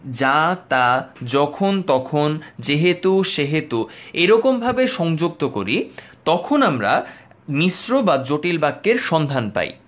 যা তা যখন তখন যেহেতু সেহেতু এইরকম ভাবে সংযুক্ত করি তখন আমরা মিশ্র বা জটিল বাক্যের সন্ধান পাই